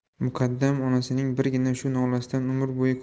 muqaddam onasining birgina shu nolasidan umr